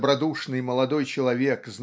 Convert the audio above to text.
добродушный молодой человек